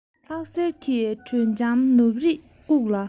ལྷག ཟེར གྱི དྲོད འཇམ ནུབ རིས བཀུག ལ